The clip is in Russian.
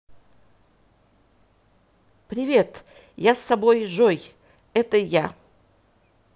привет я собой жой это я